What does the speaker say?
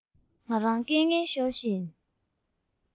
ང རང སྐད ངན ཤོར བཞིན